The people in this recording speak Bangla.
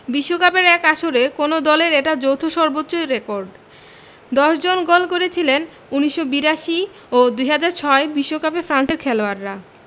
বিশ্বকাপের এক আসরে কোনো দলের এটা যৌথ সর্বোচ্চ রেকর্ড ১০ জন গোল করেছিলেন ১৯৮২ ও ২০০৬ বিশ্বকাপে ফ্রান্সের খেলোয়াড়রা